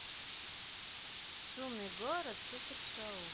шумный город супершоу